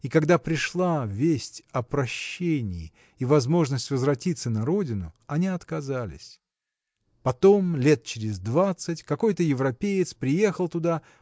и когда пришла весть о прощении и возможность возвратиться на родину они отказались. Потом лет через двадцать какой-то европеец приехал туда